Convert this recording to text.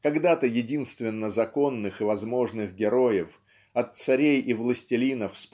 когда-то единственно законных и возможных героев от царей и властелинов